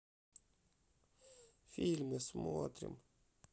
фильмы смотрим